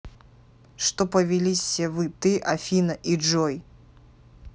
что повелись все вы ты афина и джой